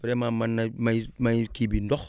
vraiment mën na may may kii bi ndox